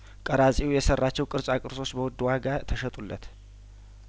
ቀራጺው የሰራቸው ቅርጻ ቅርጾች በውድ ዋጋ ተሸጡለት